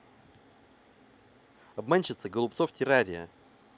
обманщица голубцов террария